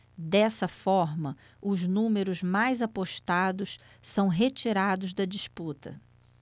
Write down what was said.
dessa forma os números mais apostados são retirados da disputa